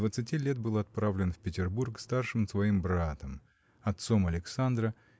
двадцати лет был отправлен в Петербург старшим своим братом отцом Александра